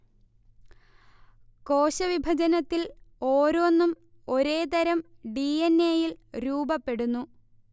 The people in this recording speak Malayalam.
കോശവിഭജനത്തിൽ ഓരോന്നും ഒരേ തരം ഡി. എൻ. എയിൽ രൂപപ്പെടുന്നു